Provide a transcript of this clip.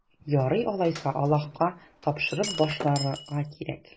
Ярый алайса, Аллаһыга тапшырып башларга кирәк.